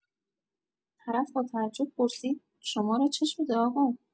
طرف با تعجب پرسید: شما را چه شده آقا؟!